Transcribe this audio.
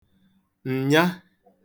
ǹnya